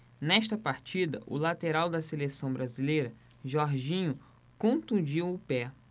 nesta partida o lateral da seleção brasileira jorginho contundiu o pé